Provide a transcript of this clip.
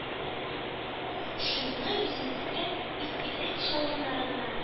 Шомны йөзендәге изгелек чалымнары гына